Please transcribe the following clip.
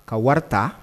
Ka wari ta